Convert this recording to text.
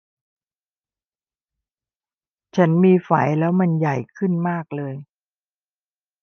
ฉันมีไฝแล้วมันใหญ่ขึ้นมากเลย